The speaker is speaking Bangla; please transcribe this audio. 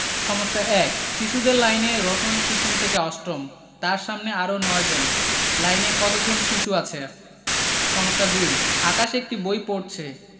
সমস্যা ১ শিশুদের লাইনে রতন পিছন থেকে অষ্টম তার সামনে আরও ৯ জন লাইনে কত জন শিশু আছে সমস্যা ২ আকাশ একটি বই পড়ছে